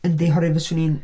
Yndi, oherwydd fyswn i'n...